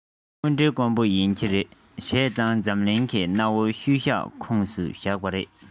དངོས འབྲེལ དཀོན པོ ཡིན གྱི རེད བྱས ཙང འཛམ གླིང གི གནའ བོའི ཤུལ བཞག ཁོངས སུ བཞག པ རེད